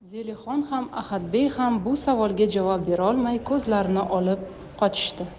zelixon ham ahadbey ham bu savolga javob berolmay ko'zlarini olib qochishdi